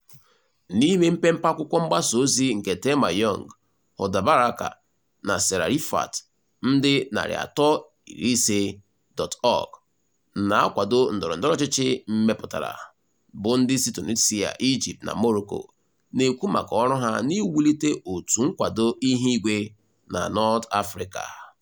N'ime mpempe akwụkwọ mgbasaozi nke Thelma Young, Hoda Baraka na Sarah Rifaat ndị 350.org na-akwado ndọrọndọrọ ọchịchị mepụtara, bụ ndị si Tunisia, Egypt na Morocco, na-ekwu maka ọrụ ha n’iwulite òtù nkwado ihuigwe na North Africa.